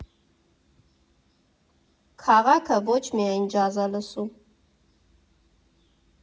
Քաղաքը ոչ միայն ջազ ա լսում։